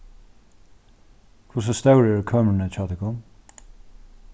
hvussu stór eru kømrini hjá tykkum